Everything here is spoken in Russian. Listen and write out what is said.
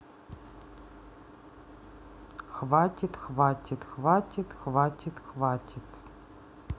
хватит хватит хватит хватит хватит